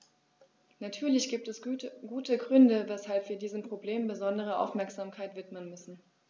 Natürlich gibt es gute Gründe, weshalb wir diesem Problem besondere Aufmerksamkeit widmen müssen.